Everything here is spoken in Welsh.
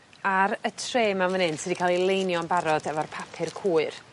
ar y trê 'ma man 'yn sy 'di ca'l 'i leinio'n barod efo'r papur cwyr.